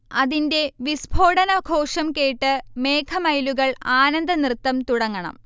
അതിന്റെ വിസ്ഫോടനഘോഷം കേട്ട് മേഘമയിലുകൾ ആനന്ദനൃത്തം തുടങ്ങണം